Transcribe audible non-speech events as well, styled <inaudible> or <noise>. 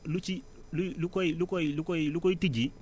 <hesitation> lu ci lu lu koy lu koy lu koy lu koy tijji